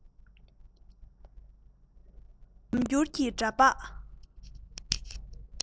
ཉམས འགྱུར གྱི འདྲ འབག